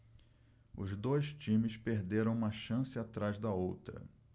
os dois times perderam uma chance atrás da outra